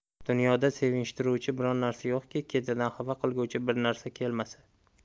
dunyoda sevintiruvchi biron narsa yo'qki ketidan xafa qilguvchi bir narsa kelmasa